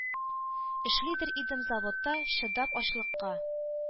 — эшлидер идем заводта, чыдап ачлыкка,